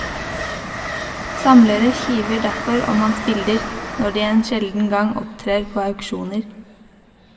Samlere kiver derfor om hans bilder, når de en sjelden gang opptrer på auksjoner.